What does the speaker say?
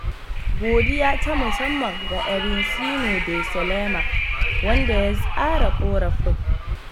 Godiya ta musamman ga Ericino de Salema wanda ya tsara ƙorafin.